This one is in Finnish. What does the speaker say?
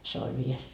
se oli vielä